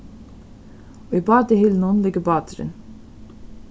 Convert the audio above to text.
í bátahylinum liggur báturin